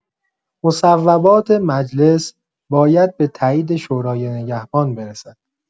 مصوبات مجلس باید به تایید شورای نگهبان برسد.